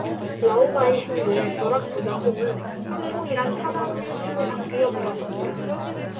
라오바이싱들의 벼락 부자 꿈은 깡통이란 차가운 현실로 바뀌어 버렸습니다